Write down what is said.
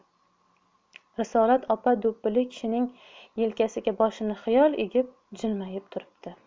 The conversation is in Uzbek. risolat opa do'ppili kishining yelkasiga boshini xiyol egib jilmayib turibdi